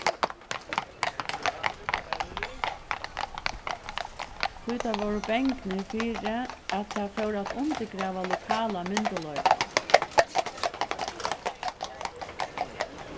tí teir vóru bangnir fyri at tað fór at undirgrava lokala myndugleikan